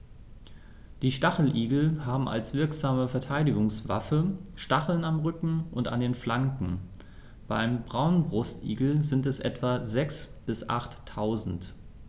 Die Stacheligel haben als wirksame Verteidigungswaffe Stacheln am Rücken und an den Flanken (beim Braunbrustigel sind es etwa sechs- bis achttausend).